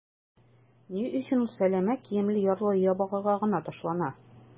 Ни өчен ул сәләмә киемле ярлы-ябагайга гына ташлана?